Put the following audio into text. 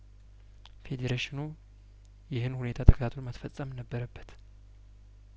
ፌዴሬሽኑ ይህን ሁኔታ ተከታትሎ ማስፈጸም ነበረበት